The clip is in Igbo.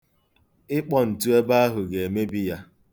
Ịkpọ ntu ebe ahụ ga-emebi ya.